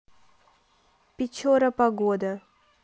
печора погода